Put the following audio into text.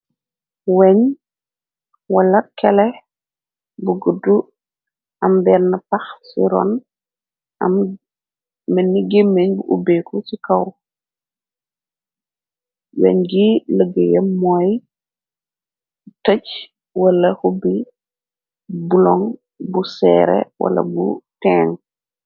weñ wala kele bu gudd am bern pax ci ron meni gé meñ bu ubbeku ci kaw weñ gi lëggéye mooy tëj wala hubi buloŋg bu seere wala bu teng